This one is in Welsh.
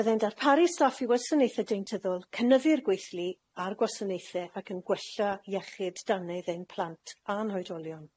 Bydde'n darparu staff i wasanaethe deintyddol, cynyddu'r gweithlu, a'r gwasanaethe, ac yn gwella iechyd dannedd ein plant a'n hoedolion,